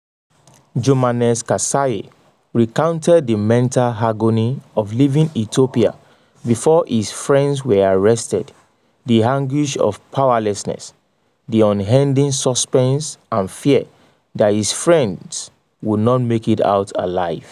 Jomanex Kasaye recounted the mental agony of leaving Ethiopia before his friends were arrested — the anguish of powerlessness — the unending suspense and fear that his friends would not make it out alive.